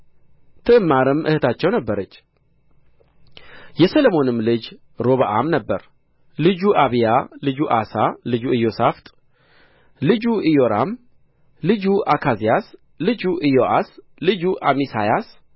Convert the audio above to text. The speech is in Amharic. ትዕማርም እኅታቸው ነበረች የሰሎሞንም ልጅ ሮብዓም ነበረ ልጁ አቢያ ልጁ አሳ ልጁ ኢዮሣፍጥ ልጁ ኢዮራም ልጁ አካዝያስ ልጁ ኢዮአስ ልጁ አሜስያስ